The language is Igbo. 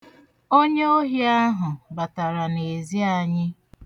Onye ohi ahụ batara n'ezi anyị.